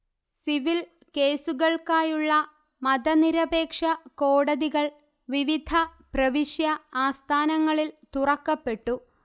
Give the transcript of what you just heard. civil കേസുകൾക്കായുള്ള മതനിരപേക്ഷകോടതികൾ വിവിധ പ്രവിശ്യ ആസ്ഥാനങ്ങളിൽ തുറക്കപ്പെട്ടു